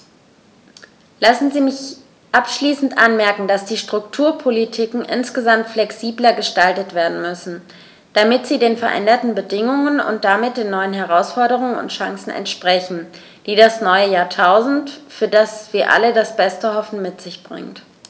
Lassen Sie mich abschließend anmerken, dass die Strukturpolitiken insgesamt flexibler gestaltet werden müssen, damit sie den veränderten Bedingungen und damit den neuen Herausforderungen und Chancen entsprechen, die das neue Jahrtausend, für das wir alle das Beste hoffen, mit sich bringt.